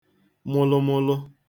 mụlụmụlụ